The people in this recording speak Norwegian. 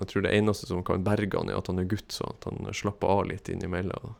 Jeg tror det eneste som kan berge han er at han er gutt sånn at han slapper av litt innimellom, da.